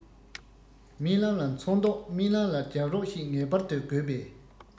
རྨི ལམ ལ ཚོན མདོག རྨི ལམ ལ རྒྱབ རོགས ཤིག ངེས པར དུ དགོས པས